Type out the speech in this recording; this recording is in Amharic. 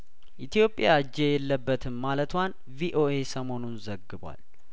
ኢትዮጵያ እጄ የለበትም ማለቷን ቪኦኤ ሰሞኑን ዘግቧል